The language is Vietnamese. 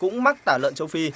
cũng mắc tả lợn châu phi